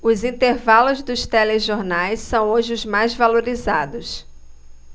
os intervalos dos telejornais são hoje os mais valorizados